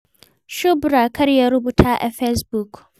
Shuɓra Kar ya rubuta a Fesbuk: